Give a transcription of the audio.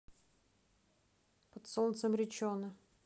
под солнцем риччоне